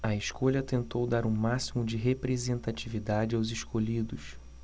a escolha tentou dar o máximo de representatividade aos escolhidos